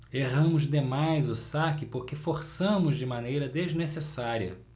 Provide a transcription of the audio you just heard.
erramos demais o saque porque forçamos de maneira desnecessária